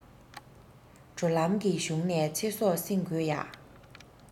འགྲོ ལམ གྱི གཞུང ནས ཚེ སྲོག བསྲིངས དགོས ཡ